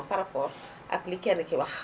par rapport ak li kenn ki wax